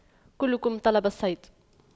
كلكم طلب صيد